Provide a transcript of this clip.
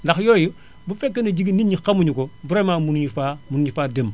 ndax yooyu bu fekkee ne jig nit éni xamuénu ko vraiment mënuénu faa mënuñu faa dem